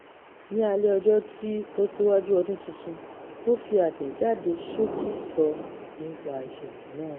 Ní alẹ́ ọjọ́ tí ó ṣíwájú Ọdún Tuntun, ó fi àtẹ̀jáde ṣókí sọ nípa ìṣẹ̀lẹ̀ náà.